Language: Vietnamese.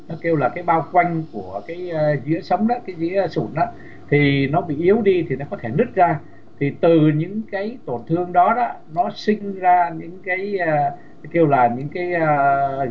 nó kêu là cái bao quanh của cái ơ giữa sấm vĩ là chủ nợ thì nó bị yếu đi thì có thể nứt ra thì từ những cái tổn thương đó đã nó sinh ra những cái kia là những cái